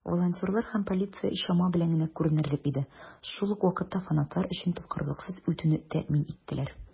Волонтерлар һәм полиция чама белән генә күренерлек иде, шул ук вакытта фанатлар өчен тоткарлыксыз үтүне тәэмин иттеләр.